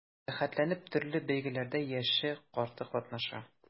Рәхәтләнеп төрле бәйгеләрдә яше-карты катнаша.